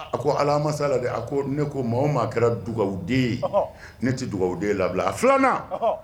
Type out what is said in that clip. A ko ala ma sala de a ne ko maa maa kɛra dug den ye ne tɛ dug den ye labila a filananna